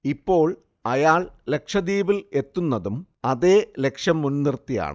ഇപ്പോൾ അയാൾ ലക്ഷദ്വീപിൽ എത്തുന്നതും അതേ ലക്ഷ്യം മൂൻനിർത്തിയാണ്